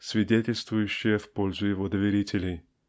свидетельствующие в пользу его доверителей.